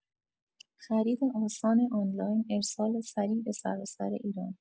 خرید آسان آنلاین ارسال سریع به سراسر ایران